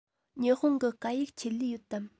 ཉི ཧོང གི སྐད ཡིག ཆེད ལས ཡོད དམ